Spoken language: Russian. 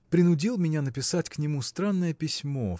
принудил меня написать к нему странное письмо